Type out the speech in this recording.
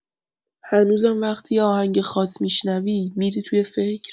هنوزم وقتی یه آهنگ خاص می‌شنوی، می‌ری توی فکر؟